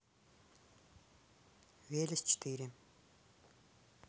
веля с четыре